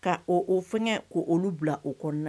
Ka o fɛŋɛ k'olu bila o